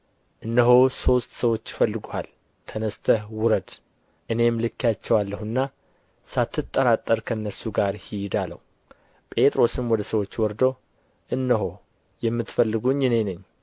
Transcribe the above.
እነሆ ሦስት ሰዎች ይፈልጉሃል ተነሥተህ ውረድ እኔም ልኬአቸዋለሁና ሳትጠራጠር ከእነርሱ ጋር ሂድ አለው ጴጥሮስም ወደ ሰዎቹ ወርዶ እነሆ የምትፈልጉኝ እኔ ነኝ